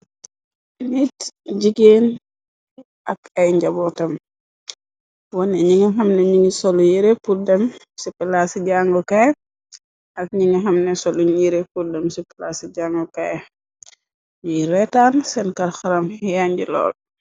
Nit jigéen ak ay njabo tem, woné ni nga xamna ñingi solu yére pur dem ci palaa ci jangukaay, ak ñi ngi xamné solu yere pur dem ci palaa ci jangukaay, ñuy reetaan, seen karxaram yyanji lool.